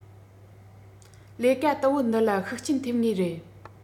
ལས ཀ དུམ བུ འདི ལ ཤུགས རྐྱེན ཐེབས ངེས རེད